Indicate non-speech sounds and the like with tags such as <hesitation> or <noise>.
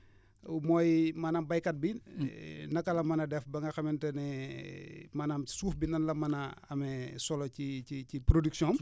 mooy maanaam béykat bi <hesitation> naka la mën a def ba nga xamante ne <hesitation> maanaam suuf bi nan la mën a amee solo ci ci ci production am